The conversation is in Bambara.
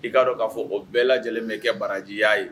I'a dɔn k'a fɔ o bɛɛ lajɛlen bɛ kɛ barajiya ye